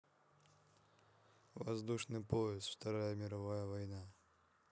воздушный пояс вторая мировая война